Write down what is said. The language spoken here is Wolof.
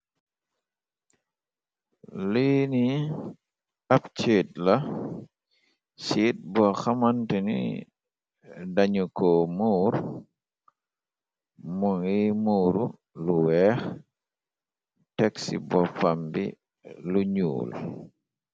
Li ni ab ceet la set bo xamanteni ni dañu ko muur mu ngi muuru lu wèèx tegsi bópambi lu ñuul .